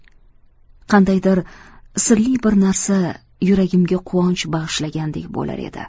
qandaydir sirli bir narsa yuragimga quvonch bag'ishlagandek bo'lar edi